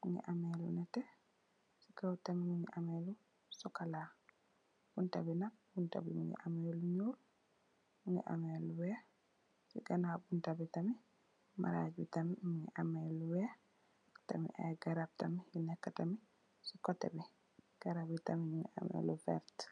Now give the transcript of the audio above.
mingi amme lu nete, si kaw tamit mingi am lu sokola, bunta bi nak, bunta mimgi am lu nyuul, mu amme lu weex, si ganaaw bunta bi tamit maraaaj tamit mingi amme lu weex, tamit ay garab tamit yu nekka si kote bi garab yi tamit yungi amme lu verte.